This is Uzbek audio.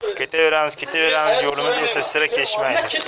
ketaveramiz ketaveramiz yo'limiz esa sira kesishmaydi